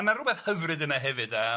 a ma' rywbeth hyfryd yna hefyd yym am am